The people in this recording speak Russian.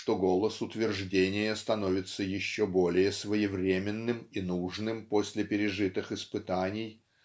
что голос утверждения становится еще более своевременным и нужным после пережитых испытаний